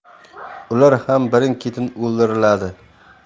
ular ham birin ketin o'ldiriladi